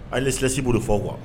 Hallier Selassie b'o de fɔ quoi